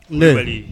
Ne weele